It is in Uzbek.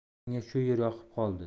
menga shu yer yoqib qoldi